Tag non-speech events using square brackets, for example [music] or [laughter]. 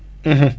[hesitation] [hesitation]